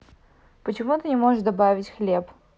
почему ты не можешь добавить хлеб